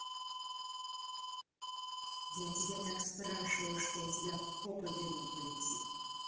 я тебя так спрашивал что у тебя попа дымом полетит